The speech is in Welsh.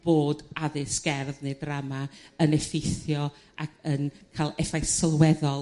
bod addysg gerdd neu drama yn effeithio ac yn cael effaith sylweddol